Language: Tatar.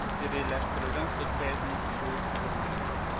Стерильләштерелгән сөт бәясенең төшүе күзәтелгән